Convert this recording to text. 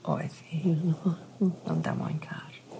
oedd hi. mewn damwain car.